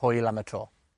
hwyl am y tro.